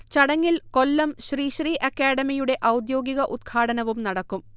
ചടങ്ങിൽ കൊല്ലം ശ്രീ ശ്രീ അക്കാഡമിയുടെ ഔദ്യോഗിക ഉദ്ഘാടനവും നടക്കും